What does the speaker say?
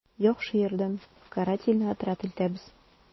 «яхшы ярдәм, карательный отряд илтәбез...»